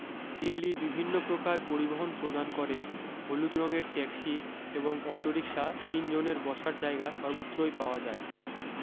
দিল্লী বিভিন্ন প্রকার পরিবহন প্রদান করে হলুদ রঙ্গের ট্যাক্সি এবং অটো রিক্সা তিন জনের বসার জায়গা সর্বত্রই পাওয়া যায়